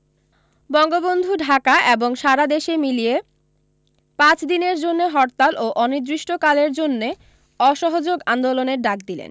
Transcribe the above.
বঙ্গবন্ধু ঢাকা এবং সারা দেশে মিলিয়ে ৫ দিনের জন্যে হরতাল ও অনির্দিষ্টকালের জন্যে অসহযোগ আন্দোলনের ডাক দিলেন